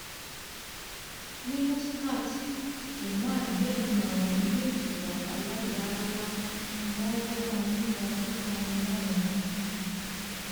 Ní Muscat, Oman, díẹ̀ nínú àwọn ilé-ìtura aládàá-ńlá ni wọ́n kópa nípa pípa iná wọn.